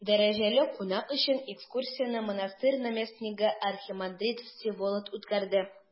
Дәрәҗәле кунак өчен экскурсияне монастырь наместнигы архимандрит Всеволод үткәрде.